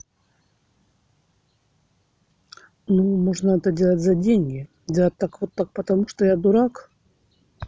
ну можно это делать за деньги делать вот так потому что я дурак